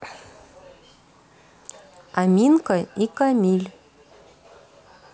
аминка и камиль